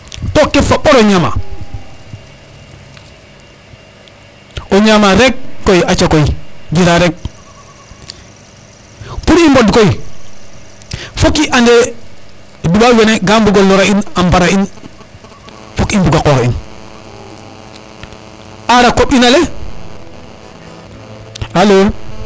toke fo mbor o ñama o ñama rek koy aca koy jira rek pour i mbod koy fok i ande tubab wene ga mbugo lora in a mbara in fook i mbuga koox in ara koɓ ina le alo